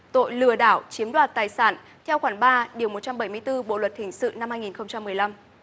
tội lừa đảo chiếm đoạt tài sản theo khoản ba điều một trăm bảy mươi tư bộ luật hình sự năm hai nghìn không trăm mười lăm